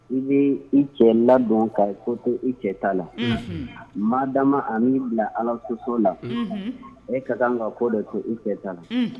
I bɛ i cɛ ladon, ka ko to i cɛ ta la, unhun, maa dama a min bila Alakota la, e ka kan ka ko dɔ to i cɛ ta la.